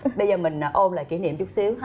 bây giờ mình ôn lại kỷ niệm chút xíu ha